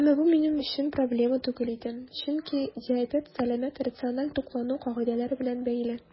Әмма бу минем өчен проблема түгел иде, чөнки диабет сәламәт, рациональ туклану кагыйдәләре белән бәйле.